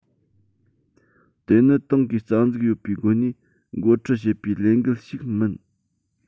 དེ ནི ཏང གིས རྩ འཛུགས ཡོད པའི སྒོ ནས འགོ ཁྲིད བྱེད པའི ལས འགུལ ཞིག མིན